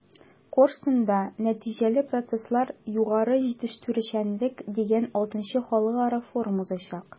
“корстон”да “нәтиҗәле процесслар-югары җитештерүчәнлек” дигән vι халыкара форум узачак.